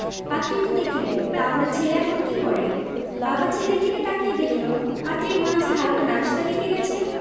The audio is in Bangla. পাত্রী তো দেখলেন তা আপনার ছেলে এখন কী করে বাবা ছেলের দিকে তাকিয়ে দেখল পাত্রীর মা যে হালকা নাশতা রেখে গেছে